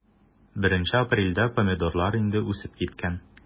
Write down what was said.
1 апрельдә помидорлар инде үсеп киткән.